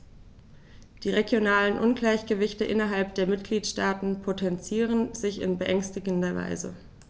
Die regionalen Ungleichgewichte innerhalb der Mitgliedstaaten potenzieren sich in beängstigender Weise.